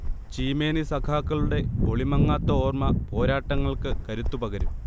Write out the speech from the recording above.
ചീമേനി സഖാക്കളുടെ ഒളിമങ്ങാത്ത ഓർമ, പോരാട്ടങ്ങൾക്ക് കരുത്തുപകരും